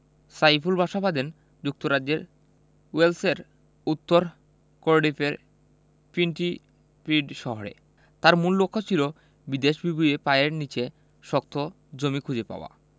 সাইফুল বাসা বাঁধেন যুক্তরাজ্যের ওয়েলসের উত্তর কর্ডিফের পিন্টিপ্রিড শহরে তাঁর মূল লক্ষ্য ছিল বিদেশ বিভুঁইয়ে পায়ের নিচে শক্ত জমি খুঁজে পাওয়া